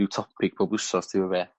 ryw topic bob wsos teip o beth